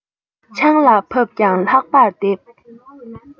ཆང ལ ཕབ ཀྱང ལྷག པར འདེབས